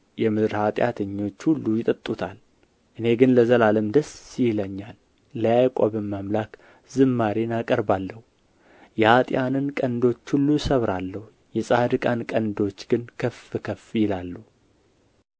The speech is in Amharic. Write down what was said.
የምድር ኃጢአተኞች ሁሉ ይጠጡታል እኔ ግን ለዘላለም ደስ ይለኛል ለያዕቆብም አምላክ ዝማሬን አቀርባለሁ የኅጥኣንን ቀንዶች ሁሉ እሰብራለሁ የጻድቃን ቀንዶች ግን ከፍ ከፍ ይላሉ